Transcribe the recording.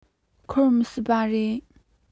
འཁོར མི སྲིད པ རེད